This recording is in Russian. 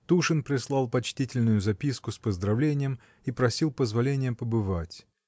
Тушин прислал почтительную записку с поздравлением и просил позволения побывать.